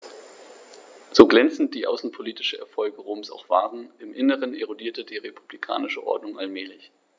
So glänzend die außenpolitischen Erfolge Roms auch waren: Im Inneren erodierte die republikanische Ordnung allmählich.